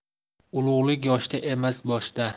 ulug'lik yoshda emas boshda